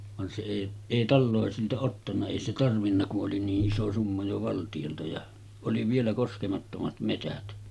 vaan se ei ei taloisilta ottanut ei se tarvinnut kun oli niin iso summa jo valtiolta ja oli vielä koskemattomat metsät